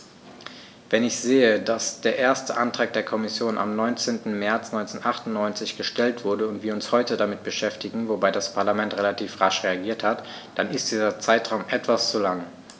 Wenn ich sehe, dass der erste Antrag der Kommission am 19. März 1998 gestellt wurde und wir uns heute damit beschäftigen - wobei das Parlament relativ rasch reagiert hat -, dann ist dieser Zeitraum etwas zu lang.